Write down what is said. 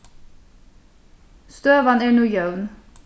støðan er nú jøvn